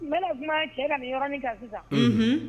N bɛ kuma cɛ ka ni yɔrɔin kan sisan